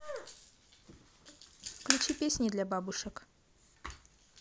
включи песни для бабушек